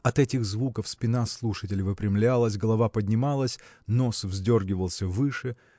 от этих звуков спина слушателя выпрямлялась голова поднималась нос вздергивался выше